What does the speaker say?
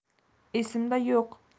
esimda yo'q